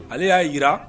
Ale y'a jira